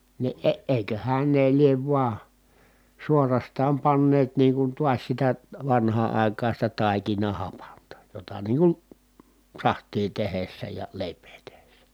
niin - eiköhän ne lie vain suorastaan panneet niin kuin taas sitä vanhaan aikaan sitä taikinahapanta jota niin kuin sahtia tehdessä ja leipää tehdessä